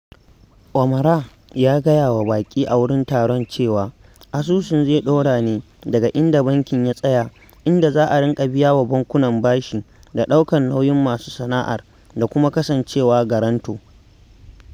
Omarah ya gayawa baƙi a wurin taron cewa, asusun zai ɗora ne daga inda bankin ya tsaya, inda za a riƙa biya wa bankunan bashi da ɗaukar nauyin masu sana'ar da kuma kasancewa garanto.